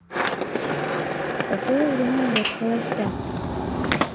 в какое время идет холостяк